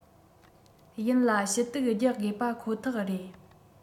ཡིན ལ ཞུ གཏུག རྒྱག དགོས པ ཁོ ཐག རེད